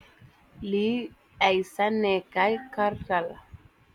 lii ay sanekay carta la.